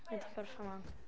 Dan ni 'di gorffen 'wan.